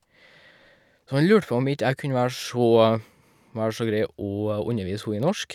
Så han lurte på om ikke jeg kunne være så være så grei å undervise ho i norsk.